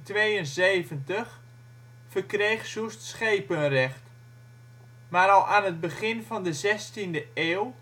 26 september 1472 verkreeg Soest schepenrecht. Maar al aan het begin van de 16e eeuw